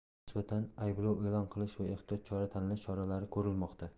unga nisbatan ayblov e'lon qilish va ehtiyot chora tanlash choralari ko'rilmoqda